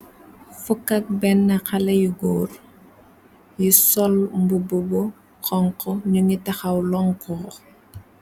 Fukak bena xale yu góor , yu sol mbub bu xonho ñu ngi taxaw lonxo.